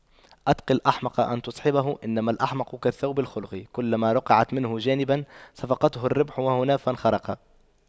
اتق الأحمق أن تصحبه إنما الأحمق كالثوب الخلق كلما رقعت منه جانبا صفقته الريح وهنا فانخرق